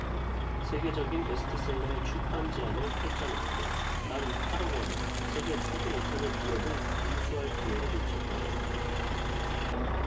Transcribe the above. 세계적인 베스트셀러의 출판 제안을 퇴짜놓고 단 팔 억 원에 세계 최대 인터넷 기업을 인수할 기회를 놓쳤다면